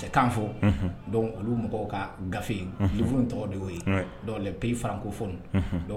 kan fɔ, unhun donc olu mɔgɔw ka gafe livre tɔgɔ de ye o ye donc les pays francophone